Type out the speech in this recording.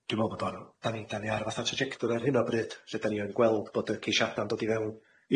Dwi'n dwi'n me'wl bod o'n 'dan ni'n 'dan ni ar fatha'r trajectwr ar hyn o bryd lle 'dan ni yn gweld bod y ceisiada'n dod i fewn.